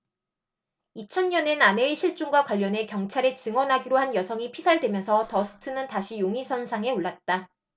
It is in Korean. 이천 년엔 아내의 실종과 관련해 경찰에 증언하기로 한 여성이 피살되면서 더스트는 다시 용의선상에 올랐다